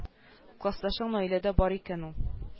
Классташың наиләдә бар икән ул